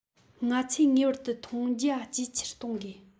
ང ཚོས ངེས པར དུ མཐོང རྒྱ ཇེ ཆེར གཏོང དགོས